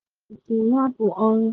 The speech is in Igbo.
Iweghachite ya bụ ọrụ.”